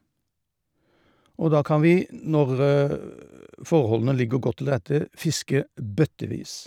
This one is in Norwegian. Og da kan vi, når forholdene ligger godt til rette, fiske bøttevis.